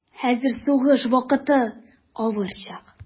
Хәзер сугыш вакыты, авыр чак.